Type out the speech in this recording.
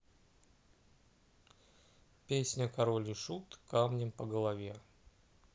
песня король и шут камнем по голове